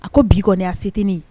A ko bi kɔnia se tɛ ne ye